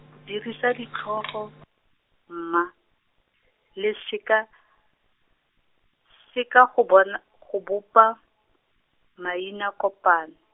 dirisa ditlhogo, mma, le seka, seka go bona, go bopa, maina kopani.